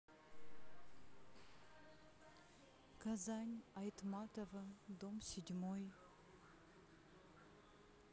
казань айтматова дом седьмой